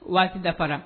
Waati dafa fana